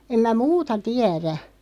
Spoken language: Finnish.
en minä muuta tiedä